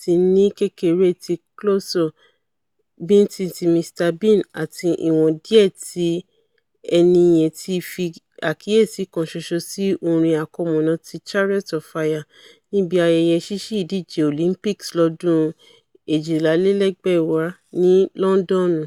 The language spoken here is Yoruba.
ti ni kékeré ti Clouseau, bíńtín ti Mr Bean ati ìwọn díẹ̀ ti ẹni yẹn ti fi àkíyèsí kan ṣoṣo sí orin àkọmọ̀nà ti Chariots of Fire níbi ayẹyẹ sísí ìdíje Olympics lọ́dún 2012 ní Lọndọnu.